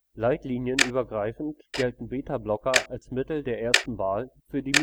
Leitlinienübergreifend gelten Betablocker als Mittel der ersten Wahl für die